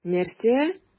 Нәрсә?!